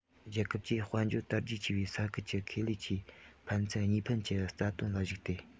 རྒྱལ ཁབ ཀྱིས དཔལ འབྱོར དར རྒྱས ཆེ བའི ས ཁུལ གྱི ཁེ ལས ཀྱིས ཕན ཚུན གཉིས ཕན གྱི རྩ དོན ལ གཞིགས ཏེ